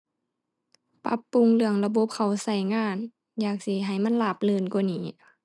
ปรับปรุงเรื่องระบบเข้าใช้งาน อยากสิให้มันราบรื่นกว่านี้